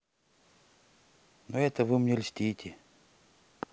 но это вы мне льстите